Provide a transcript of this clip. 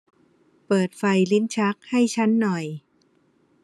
เปิดไฟลิ้นชักให้ชั้นหน่อย